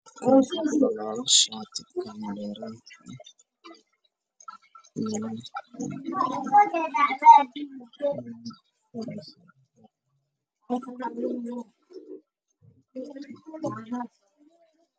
Meeshaan waxaa iga muuqdo shaati baluug ah oo gulusyo cadcad